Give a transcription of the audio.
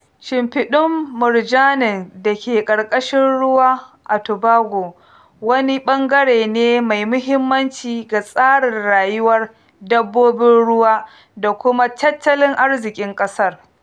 Shimfiɗaɗɗun murjanin da ke ƙarƙashin ruwa a Tobago wani ɓangare ne mai muhimmanci ga tsarin rayuwar dabbobin ruwa da kuma tattalin arziƙin ƙasar.